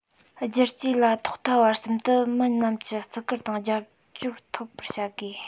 བསྒྱུར བཅོས ལ ཐོག མཐའ བར གསུམ དུ མི དམངས ཀྱི བརྩི བཀུར དང རྒྱབ སྐྱོར འཐོབ པར བྱ དགོས